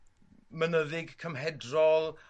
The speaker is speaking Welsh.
mynyddig cymhedrol